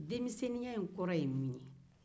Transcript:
denmisenninya kɔrɔ ye mun ye